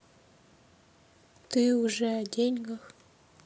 ты уже о деньгах